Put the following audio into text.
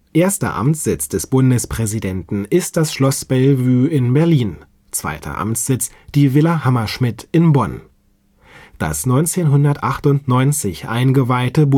Erster Amtssitz des Bundespräsidenten ist das Schloss Bellevue in Berlin, zweiter Amtssitz die Villa Hammerschmidt in Bonn. Das 1998 eingeweihte